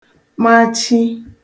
machi